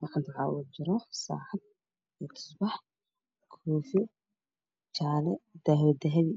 gacanta waxaa oogu jira saacad iyo tusbax koofi jaale dahabi dahabi